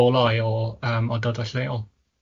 o ardalau lleol.